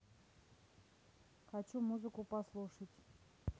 хочу музыку послушать